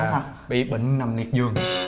bị bệnh nằm liệt giường